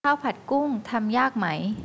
ข้าวผัดกุ้งทำยากไหม